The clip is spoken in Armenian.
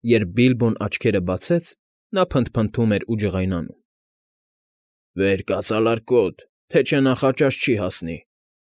Երբ Բիլբոն աչքերը բացեց, նա փնթփնթում էր ու ջղայնանում. ֊ Վեր կաց, ալարկոտ, թե չա նախաճաշ չի հասնի։